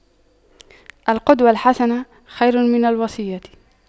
القدوة الحسنة خير من الوصية